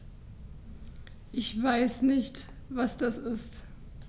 Ich weiß nicht, was das ist.